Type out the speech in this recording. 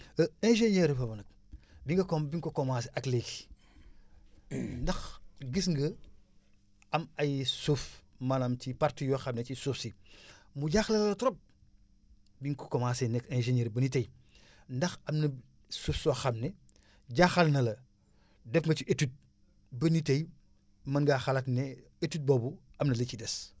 ingénieur * bi nga comme bi nga commencé ak léegi ndax gis nga am ay suuf maanaam ci parties yoo xam ne ci suuf si mu jaaxal la trop bi nga ko commencé nekk ingénieur ba ni tey ndax am na suuf soo xam ne jaaxal na la def nga ci étude ba ni tey mën ngaa xalaat ne étude boobu am na lu ci des